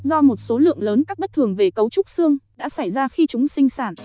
do một số lượng lớn các bất thường về cấu trúc xương đã xảy ra khi chúng sinh sản